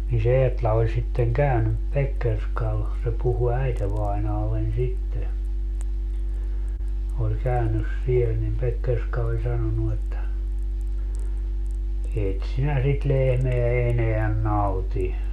niin se Eetla oli sitten käynyt Pekkerskalla se puhui äitivainajalleni sitten oli käynyt siellä niin Pekkerska oli sanonut että et sinä sitä lehmää enää nauti